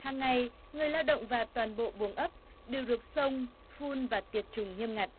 hằng ngày người lao động và toàn bộ buồng ấp đều được xông phun và tiệt trùng nghiêm ngặt